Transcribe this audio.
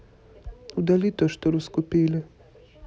удали то что раскупили